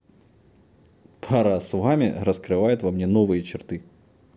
пора с вами раскрывают во мне новые черты